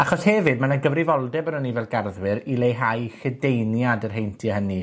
Achos hefyd, ma' 'na gyfrifoldeb arnon ni fel garddwyr i leihau lledaeniad yr heintie hynny.